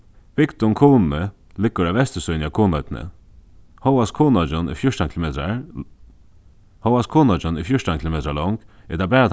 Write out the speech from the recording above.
bygdin kunoy liggur á vestursíðuni á kunoynni hóast kunoyggin er fjúrtan kilometrar hóast kunoyggin er fjúrtan kilometrar long er tað bara